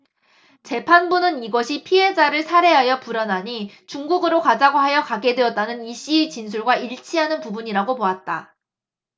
재판부는 이것이 피해자를 살해하여 불안하니 중국으로 가자고 하여 가게 되었다는 이씨의 진술과 일치하는 부분이라고 보았다